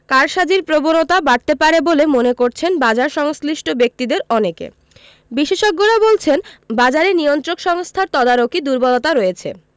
কারসাজির প্রবণতা বাড়তে পারে বলে মনে করছেন বাজারসংশ্লিষ্ট ব্যক্তিদের অনেকে বিশেষজ্ঞরা বলছেন বাজারে নিয়ন্ত্রক সংস্থার তদারকি দুর্বলতা রয়েছে